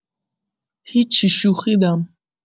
هیچی شوخیدم